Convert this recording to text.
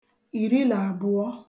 ìri là àbụ̀ọ